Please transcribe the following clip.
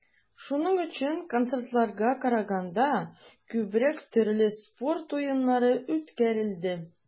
Шуның өчен, концертларга караганда, күбрәк төрле спорт уеннары үткәрелде.